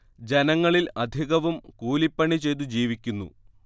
ജനങ്ങളിൽ അധികവും കൂലി പണി ചെയ്തു ജീവിക്കുന്നു